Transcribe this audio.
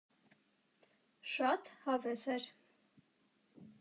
Շատ հավես էր։